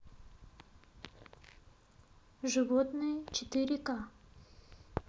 животные четыре ка